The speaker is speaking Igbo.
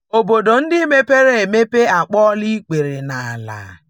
Obodo ndị mepere emepe a kpọọla ikpere n'ala